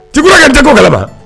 Tu crois que n te ko kalama